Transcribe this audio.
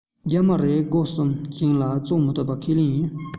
རྒྱ མ རེར གོར གསུམ བཞི ལ བཙོངས ཐུབ པ ཁས ལེན ཡིན